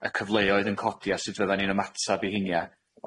y cyfleoedd yn codi a sut fyddan ni'n ymatab i heina